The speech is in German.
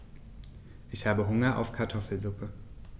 Ich habe Hunger auf Kartoffelsuppe.